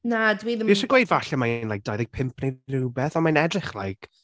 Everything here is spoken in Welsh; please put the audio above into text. Na, dwi ddim... Fi isie gweud falle mae hi’n like dau ddeg pump neu rywbeth, ond mae hi'n edrych like...